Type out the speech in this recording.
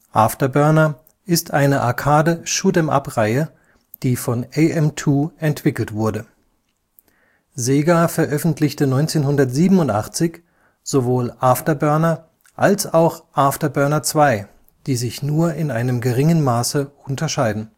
After Burner ist eine Arcade-Shoot’ em up-Reihe, die von AM2 entwickelt wurde. Sega veröffentlichte 1987 sowohl After Burner als auch After Burner II, die sich nur in einem geringen Maße unterscheiden